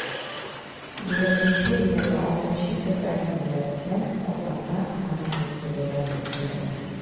20-26 февраль көннәрендә казанда масленица бәйрәме үткәрелә.